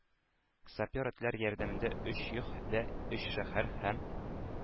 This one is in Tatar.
Сапер этләр ярдәмендә өч йөх дә өч шәһәр һәм